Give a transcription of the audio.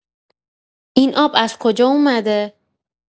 این آب از کجا اومده؟